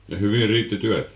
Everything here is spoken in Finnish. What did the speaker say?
ja hyvin riitti työtä